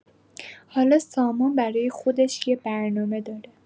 حالا سامان برای خودش یه برنامه داره.